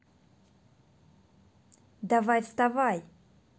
давай вставай